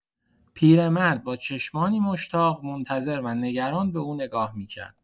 پیرمرد با چشمانی مشتاق، منتظر و نگران به او نگاه می‌کرد.